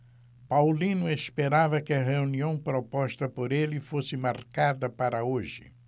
paulino esperava que a reunião proposta por ele fosse marcada para hoje